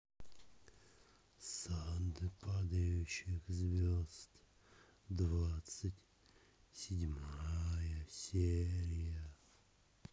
сад падающих звезд двадцать седьмая серия